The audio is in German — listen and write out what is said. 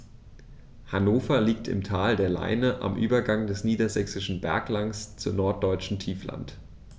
Hannover liegt im Tal der Leine am Übergang des Niedersächsischen Berglands zum Norddeutschen Tiefland.